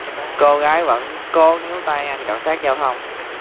cô gái vẫn cố níu tay anh cảnh sát giao thông